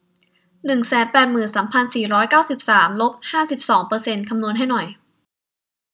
หนึ่งแสนแปดหมื่นสามพันสี่ร้อยเก้าสิบสามลบห้าสิบสองเปอร์เซนต์คำนวณให้หน่อย